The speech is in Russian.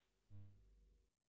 ты никогда не пробовала медовый торт